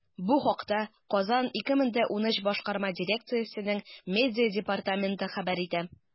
Бу хакта “Казан 2013” башкарма дирекциясенең медиа департаменты хәбәр итә.